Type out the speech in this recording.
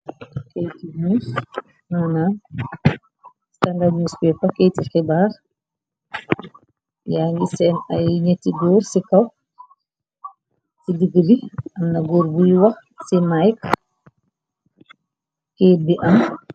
keyti nus nunaan stangamuspe pakeyti xibaar yaa ngi seem ay ñetti góor ci kaw ci digri amna góur buy wax ci myk ket bi am